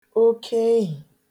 okehi